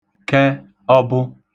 kẹ ọḃụ